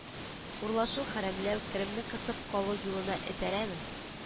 Урлашу хәрәмләү керемне кысып калу юлына этәрәме